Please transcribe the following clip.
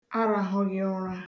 arāhụghịụra